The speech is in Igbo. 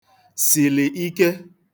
sìlì ike